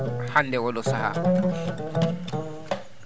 hannde oo ɗoo sahaa